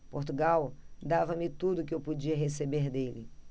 portugal dava-me tudo o que eu podia receber dele